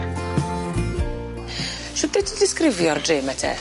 Shwt wt ti'n disgrifio'r dre 'my te?